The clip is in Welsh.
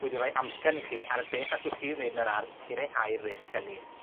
wedi roi amcan i chi ar beth allwch chi 'i wneud yn yr ardd i leihau'r risg hynny.